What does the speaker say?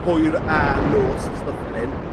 hwyr a nos a stwff fel 'yn.